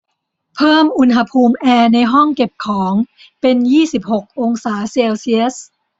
เพิ่มอุณหภูมิแอร์ในห้องเก็บของเป็นยี่สิบหกองศาเซลเซียส